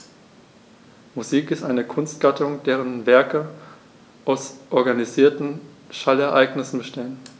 Musik ist eine Kunstgattung, deren Werke aus organisierten Schallereignissen bestehen.